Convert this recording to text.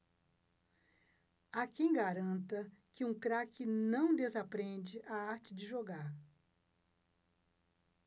há quem garanta que um craque não desaprende a arte de jogar